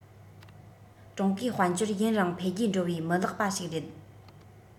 ཀྲུང གོའི དཔལ འབྱོར ཡུན རིང འཕེལ རྒྱས འགྲོ བའི མི ལེགས པ ཞིག རེད